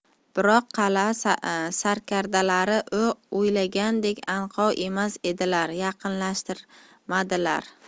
biroq qal'a sarkardalari u o'ylagandek anqov emas edilar yaqinlashtirmadilar